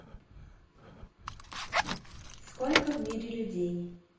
сколько в мире людей